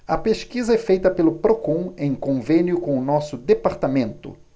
a pesquisa é feita pelo procon em convênio com o diese